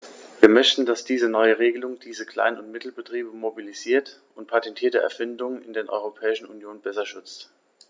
Wir möchten, dass diese neue Regelung diese Klein- und Mittelbetriebe mobilisiert und patentierte Erfindungen in der Europäischen Union besser schützt.